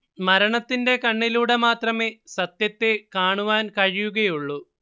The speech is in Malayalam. മരണത്തിന്റെ കണ്ണിലൂടെ മാത്രമേ സത്യത്തെ കാണുവാൻ കഴിയുകയുള്ളു